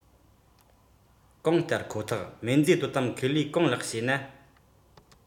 གང ལྟར ཁོ ཐག སྨན རྫས དོ དམ ཁེ ལས གང ལགས ཤེ ན